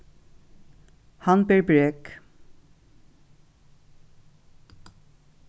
hann ber brek